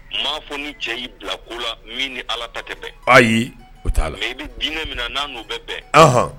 Maa fɔ ni cɛ y'i bila ko la min ni ala ta tɛ bɛn ayi u t' i bɛ diinɛ min na n'a n'o bɛ bɛnɔn